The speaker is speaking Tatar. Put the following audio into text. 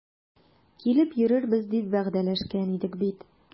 Килеп йөрербез дип вәгъдәләшкән идек бит.